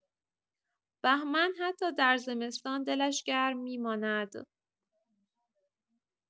بهمن حتی در زمستان دلش گرم می‌ماند.